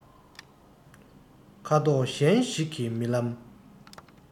ཁ དོག གཞན ཞིག གི རྨི ལམ